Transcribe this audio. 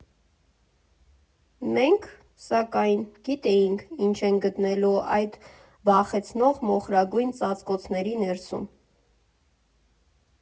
Մենք, սակայն, գիտեինք՝ ինչ ենք գտնելու այդ վախեցնող մոխրագույն ծածկոցների ներսում…